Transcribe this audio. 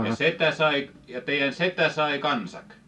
ja setä sai ja teidän setä sai kanssa